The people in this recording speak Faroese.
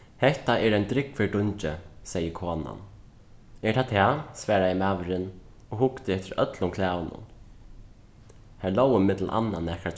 hetta er ein drúgvur dungi segði konan er tað tað svaraði maðurin og hugdi eftir øllum klæðunum har lógu millum annað nakrar